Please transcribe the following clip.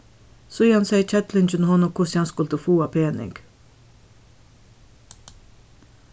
síðani segði kellingin honum hvussu hann skuldi fáa pening